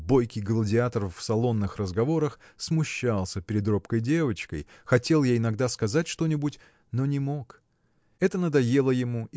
бойкий гладиатор в салонных разговорах смущался перед робкой девочкой хотел ей иногда сказать что-нибудь но не мог. Это надоело ему